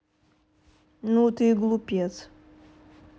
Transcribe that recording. ну ты глупец